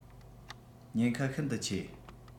ཉེན ཁ ཤིན ཏུ ཆེ